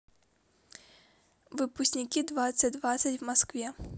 выпускники двадцать двадцать в москве